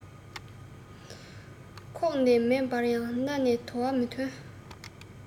ཁོག ནས མེ འབར ཡང སྣ ནས དུ བ མི ཐོན